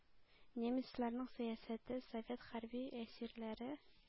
Немецларның сәясәте, совет хәрби әсирләре